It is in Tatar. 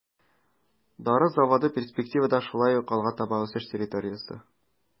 Дары заводы перспективада шулай ук алга таба үсеш территориясе.